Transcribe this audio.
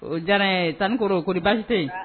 O diyara n ye tanti koro koni baasite yen?